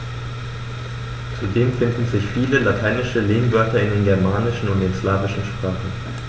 Zudem finden sich viele lateinische Lehnwörter in den germanischen und den slawischen Sprachen.